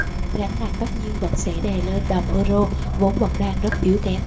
gánh nặng tất nhiên vẫn sẽ đè lên đồng euro vốn vẫn đang rất yếu kém